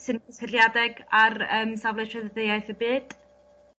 sy'n gysylliedeg ar yym safle trafidiaeth y byd?